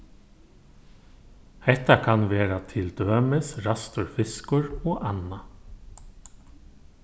hetta kann vera til dømis ræstur fiskur og annað